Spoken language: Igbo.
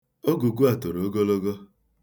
Ogugu a toro ogologo.